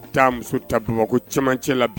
Muso ta camancɛ la bi